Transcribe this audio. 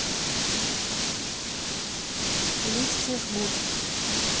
листья жгут